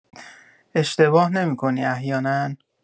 اشتباه نمی‌کنی احیانا؟